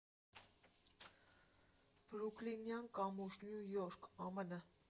Բրուքլինյան կամուրջ, Նյու Յորք, ԱՄՆ։